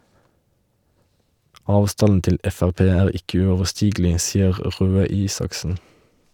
- Avstanden til Frp er ikke uoverstigelig, sier Røe Isaksen.